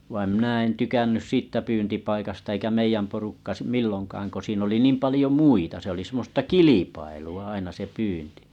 vaan minä en tykännyt siitä pyyntipaikasta eikä meidän porukka - milloinkaan kun siinä oli niin paljon muita se oli semmoista kilpailua aina se pyynti